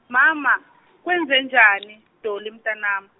mama , kwenzenjani, Dolly mntanami?